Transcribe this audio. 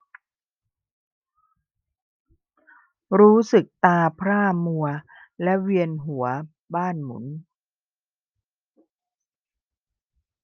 รู้สึกตาพร่ามัวและเวียนหัวบ้านหมุน